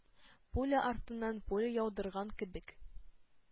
Пуля артыннан пуля яудырган кебек,